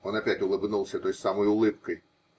Он опять улыбнулся той самой улыбкой